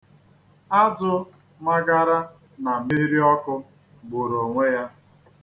Azụ magara na mmiri ọkụ gburu onwe ya.